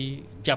moo ëpp